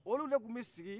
olu de tun b'i sigi